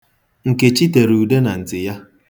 Nkechi tere ude na ntị ya.